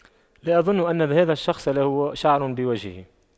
لا أظن أن لهذا الشخص له شعر بوجهه